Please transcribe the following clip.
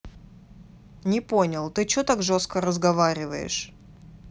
не понял ты че так жестко разговариваешь